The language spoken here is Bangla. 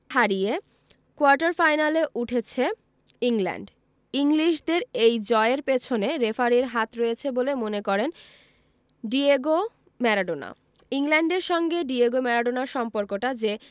হারিয়ে কোয়ার্টার ফাইনালে উঠেছে ইংল্যান্ড ইংলিশদের এই জয়ের পেছনে রেফারির হাত রয়েছে বলে মনে করেন ডিয়েগো ম্যারাডোনা ইংল্যান্ডের সঙ্গে ডিয়েগো ম্যারাডোনার সম্পর্কটা যে